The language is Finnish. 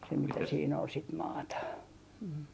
se mitä siinä oli sitä maata